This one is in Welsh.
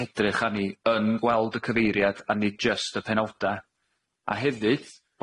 hedrych arni yn gweld y cyfeiriad a nid jyst y penawda' a hefyd